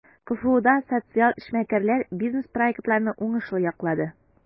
КФУда социаль эшмәкәрләр бизнес-проектларны уңышлы яклады.